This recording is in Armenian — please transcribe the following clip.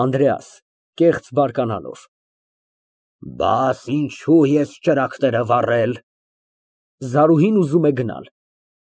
ԱՆԴՐԵԱՍ ֊ (Կեղծ բարկանալով)։ Բա ինչո՞ւ ես ճրագները վառել։ (Զարուհին ուզում է գնալ)։